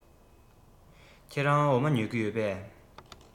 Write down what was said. ཁྱེད རང འོ མ ཉོ གི ཡོད པས